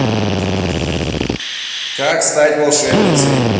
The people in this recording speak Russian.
как стать волшебницей